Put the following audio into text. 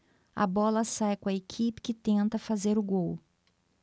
a bola sai com a equipe que tenta fazer o gol